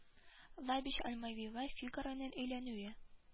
Лабиш альмавива фигароның өйләнүе